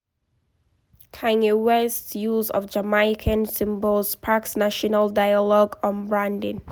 Kanye West's use of Jamaican symbols sparks national dialogue on ‘branding’